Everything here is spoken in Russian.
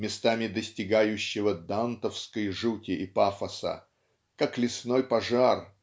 местами достигающего дантовской жути и пафоса как лесной пожар